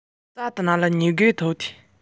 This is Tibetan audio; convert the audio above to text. ང རང ན ཟུག གིས མཛོད ཁང གི